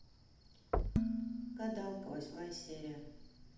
гадалка восьмая серия